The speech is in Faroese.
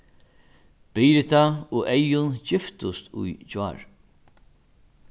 birita og eyðun giftust í gjár